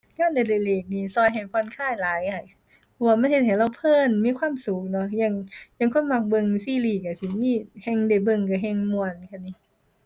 งานอดิเรกนี่ช่วยให้ผ่อนคลายหลายได้ เพราะว่ามันเฮ็ดให้เราเพลิน มีความสุขเนาะ อย่างเป็นคนมักเบิ่งซีรีส์ช่วยสิมี แฮ่งได้เบิ่งช่วยแฮ่งม่วนค่ะหนิ